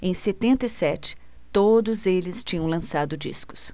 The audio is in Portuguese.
em setenta e sete todos eles tinham lançado discos